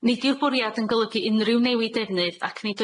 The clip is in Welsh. Nid yw'r bwriad yn golygu unrhyw newid defnydd ac nid